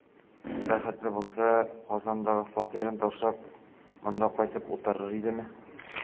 Бәхетле булса, Казандагы фатирын ташлап, монда кайтып утырыр идеме?